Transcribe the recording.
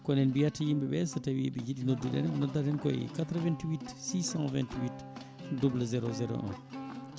kono en mbiyat yimɓeɓe so tawi ɓe jiiɗi noddude en ɓe noddata en koye 88 628 00 01